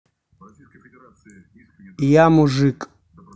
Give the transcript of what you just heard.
я мужик